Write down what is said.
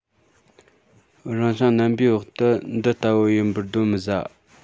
རང བྱུང རྣམ པའི འོག ཏུ འདི ལྟ བུ ཡིན པར གདོན མི ཟ